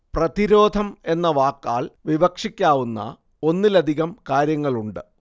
പ്രതിരോധം എന്ന വാക്കാല്‍ വിവക്ഷിക്കാവുന്ന ഒന്നിലധികം കാര്യങ്ങളുണ്ട്